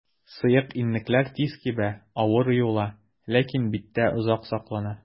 Сыек иннекләр тиз кибә, авыр юыла, ләкин биттә озак саклана.